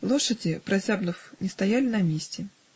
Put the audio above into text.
Лошади, прозябнув, не стояли на месте